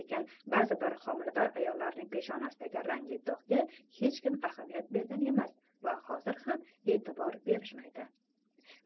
lekin ba'zi bir homilador ayollarning peshonasidagi rangli dog'ga hech kim ahamiyat bergan emas va hozir ham e'tibor berishmaydi